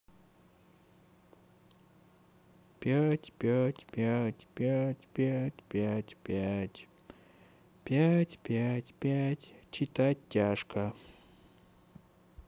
пять пять пять пять пять пять пять пять пять пять читать тяжко